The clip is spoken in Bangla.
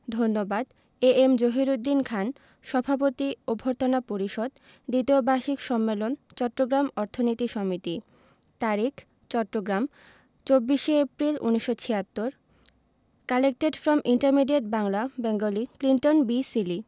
ধন্যবাদ সভাপতি এ এম জহিরুদ্দিন খান সভাপতি অভ্যর্থনা পরিষদ দ্বিতীয় বার্ষিক সম্মেলন চট্টগ্রাম অর্থনীতি সমিতি তারিখ চট্টগ্রাম ২৪শে April ১৯৭৬ collected from intermediate Bangla Bengali Clinton B Seely